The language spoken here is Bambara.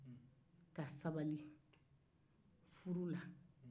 ka sabali furu la